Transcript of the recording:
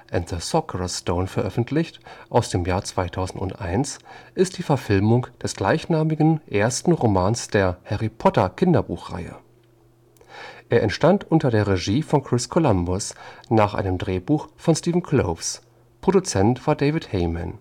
and the Sorcerer’ s Stone veröffentlicht) aus dem Jahr 2001 ist die Verfilmung des gleichnamigen ersten Romans der Harry-Potter-Kinderbuchreihe. Er entstand unter der Regie von Chris Columbus nach einem Drehbuch von Steven Kloves, Produzent war David Heyman